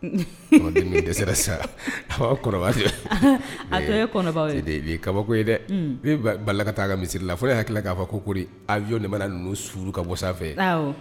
Dɛsɛ sara a a kabako ye dɛ i bɛ balala ka taa misisiriri la fo y'a tila k'a fɔ ko ko ayey ninnu s ka bɔ sanfɛ